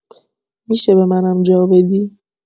می‌شه به منم جا بدی؟